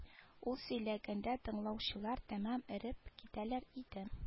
Ул сөйләгәндә тыңлаучылар тәмам эреп китәләр иде